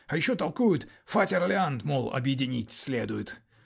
А еще толкуют: фатерланд, мол, объединить следует.